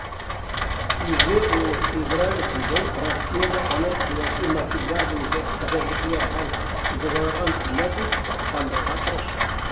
Үзе ул Израиль судын Россиядә аны сәяси мотивлар буенча эзәрлеклиләр һәм җәзаларга мөмкиннәр дип ышандырырга тырыша.